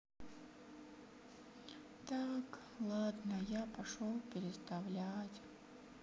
так ладно я пошел переставлять